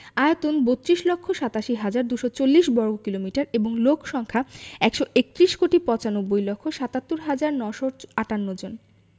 আয়তন ৩২ লক্ষ ৮৭ হাজার ২৪০ বর্গ কিমি এবং লোক সংখ্যা ১৩১ কোটি ৯৫ লক্ষ ৭৭ হাজার ৯৫৮ জন